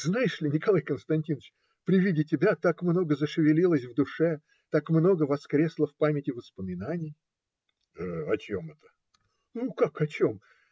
Знаешь ли, Николай Константиныч, при виде тебя так много зашевелилось в душе, так много воскресло в памяти воспоминаний. - О чем это? - Как о чем?